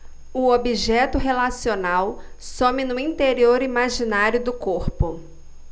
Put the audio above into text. o objeto relacional some no interior imaginário do corpo